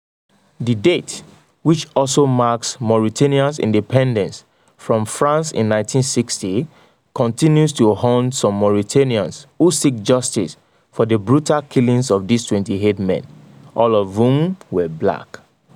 The date, which also marks Mauritania's independence from France in 1960, continues to haunt some Mauritanians who seek justice for the brutal killings of these 28 men, all of whom were black.